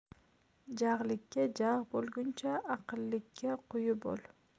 jag'likka jag' bo'lguncha aqllikka qui bo'l